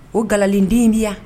O galalen den in bi yan.